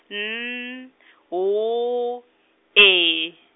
N , W, E.